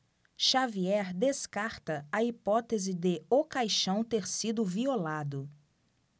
xavier descarta a hipótese de o caixão ter sido violado